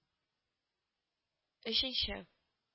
Өченче